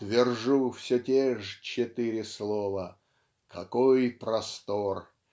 Твержу все те ж четыре слова "Какой простор!